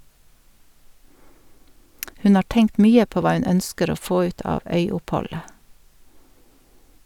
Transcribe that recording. Hun har tenkt mye på hva hun ønsker å få ut av øyoppholdet.